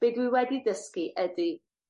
be' dwi wedi dysgu ydi